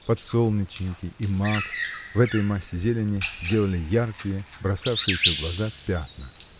Подсолнечники и мак, в этой массе зелени, делали яркие, бросавшиеся в глаза пятна